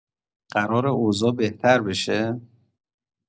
قراره اوضاع بهتر شه؟